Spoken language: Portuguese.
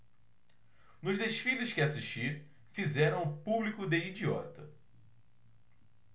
nos desfiles que assisti fizeram o público de idiota